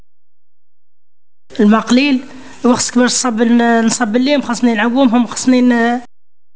الم قليل من الصبر يلعبونها مخزنين